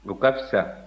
o ka fisa